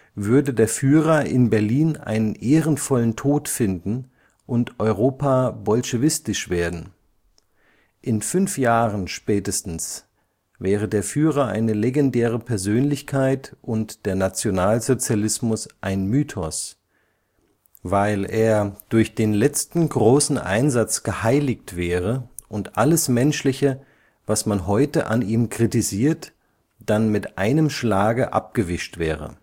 Würde der Führer in Berlin einen ehrenvollen Tod finden und Europa bolschewistisch werden – in fünf Jahren spätestens wäre der Führer eine legendäre Persönlichkeit und der Nationalsozialismus ein Mythos, weil er durch den letzten großen Einsatz geheiligt wäre und alles Menschliche, was man heute an ihm kritisiert, dann mit einem Schlage abgewischt wäre